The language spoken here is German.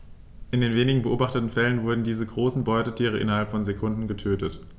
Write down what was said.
In den wenigen beobachteten Fällen wurden diese großen Beutetiere innerhalb von Sekunden getötet.